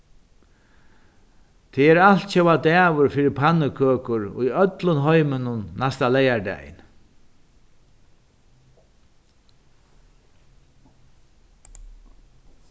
tað er altjóða dagur fyri pannukøkur í øllum heiminum næsta leygardagin